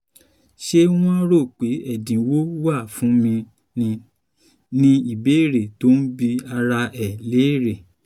”Ṣé wọ́n rò pé ẹ̀dínwó wà fún mi ni?” ni ìbéèrè tó ń bi ara ẹ̀ léèrè.